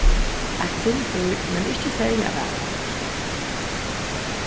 eitt sindur men ikki serliga væl